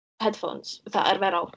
headphones fatha arferol.